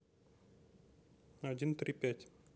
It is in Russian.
один три пять